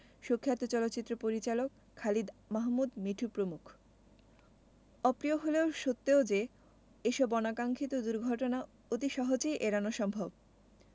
সুখ্যাত চলচ্চিত্র পরিচালক খালিদ মাহমুদ মিঠু প্রমুখ অপ্রিয় হলেও সত্ত্বেও যে এসব অনাকাক্সিক্ষত দুর্ঘটনা অতি সহজেই এড়ানো সম্ভব